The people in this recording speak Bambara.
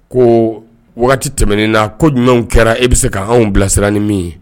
Ko tɛmɛnen na ko jumɛn kɛra e bɛ se k' anw bilasira ni min ye